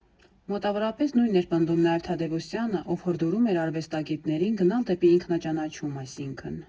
Մոտավորապես նույնն էր պնդում նաև Թադևոսյանը, ով հորդորում էր արվեստագետներին գնալ դեպի «ինքնա֊ճանաչում»՝ այսինքն.